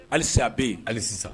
Halisa bɛ yen hali sisan